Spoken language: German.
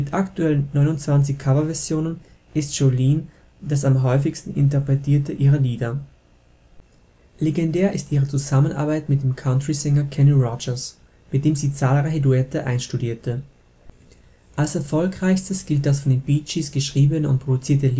aktuell 29 Coverversionen ist Jolene das am häufigsten interpretierte ihrer Lieder. Legendär ist ihre Zusammenarbeit mit dem Countrysänger Kenny Rogers, mit dem sie zahlreiche Duette einstudierte. Als erfolgreichstes gilt das von den Bee Gees geschriebene und produzierte Lied